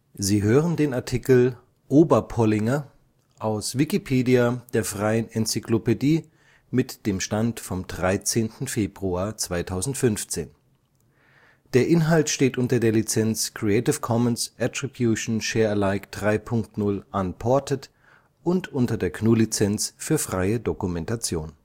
Sie hören den Artikel Oberpollinger, aus Wikipedia, der freien Enzyklopädie. Mit dem Stand vom Der Inhalt steht unter der Lizenz Creative Commons Attribution Share Alike 3 Punkt 0 Unported und unter der GNU Lizenz für freie Dokumentation